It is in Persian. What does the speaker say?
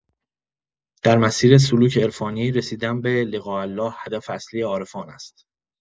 در مسیر سلوک عرفانی، رسیدن به لقاء‌الله هدف اصلی عارفان است.